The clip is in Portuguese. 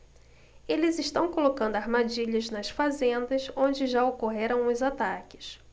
eles estão colocando armadilhas nas fazendas onde já ocorreram os ataques